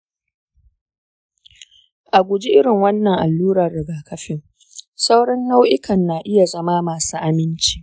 a guji irin wannan allurar rigakafin. sauran nau’ikan na iya zama masu aminci.